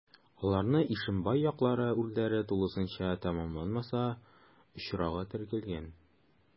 Аларны Ишембай яклары урләре тулысынча тәмамланмаса очрагы теркәлгән.